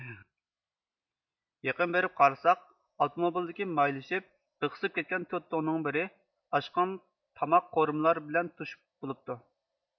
يېقىن بېرىپ قارىساق ئاپتوموبىلدىكى مايلىشىپ بېقسىپ كەتكەن تۆت تۇڭنىڭ بىرى ئاشقان تاماق قورۇمىلار بىلەن توشۇپ بولۇپتۇ